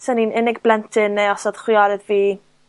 'swn i'n unig blentyn ne' os odd chwiorydd fi,